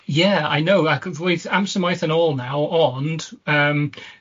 Yeah, I know, ac roedd amser maith yn ôl naw', ond yym